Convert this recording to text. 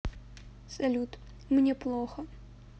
салют мне плохо